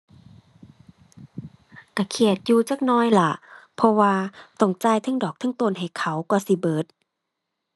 ก็เครียดอยู่จักหน่อยล่ะ เพราะว่าต้องจ่ายเทิงดอกเทิงต้นให้เขากว่าสิเบิด